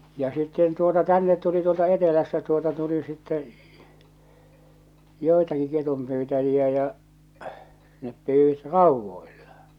ja sitten tuota tänne tuli tuolta etelästä tuota tuli sitten joitakin ketunpyytäjiä ja ne pyysivät raudoilla